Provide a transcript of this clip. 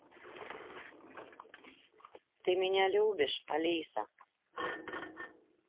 ты меня любишь алиса